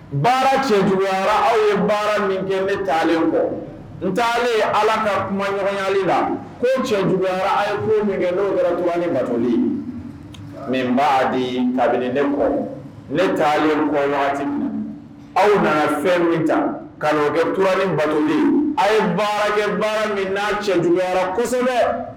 Baara cɛ juguyara aw ye baara min kɛ ne taalen kɔ ntalen ala ka kumaɔrɔnyali la ko cɛ juguyara aw ye min kɛ n' bɛura matoli nin b'a di kabini ne kɔ ne taalen kɔ aw nana fɛn min ta ka bɛ ku batoli aw ye baarakɛ baara min n'a cɛ juguyara kosɛbɛ